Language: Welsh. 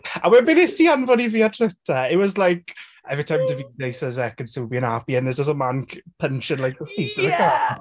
A wedyn be wnest ti anfon i fi ar Twitter? It was like "Every time Davide sees Ekin-Su being happy." And there's just like a man punching like the seat of a car.